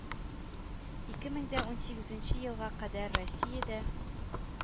Ике мең дә унсигезенче елга кадәр Россиядә,